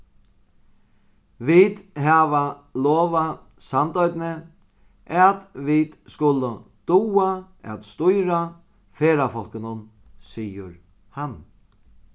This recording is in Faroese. vit hava lovað sandoynni at vit skulu duga at stýra ferðafólkunum sigur hann